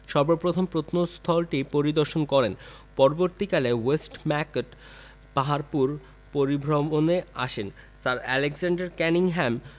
সর্ব প্রথম প্রত্নস্থলটি পরিদর্শন করেন পরবর্তীকালে ওয়েস্টম্যাকট পাহাড়পুর পরিভ্রমণে আসেন স্যার আলেকজান্ডার কানিংহাম